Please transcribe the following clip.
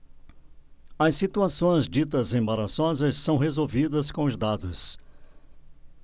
as situações ditas embaraçosas são resolvidas com os dados